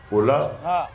O la